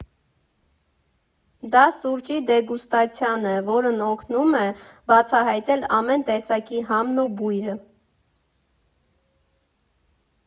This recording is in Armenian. Դա սուրճի դեգուստացիան է, որն օգնում է բացահայտել ամեն տեսակի համն ու բույրը։